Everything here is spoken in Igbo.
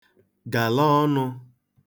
gala ọnụ̄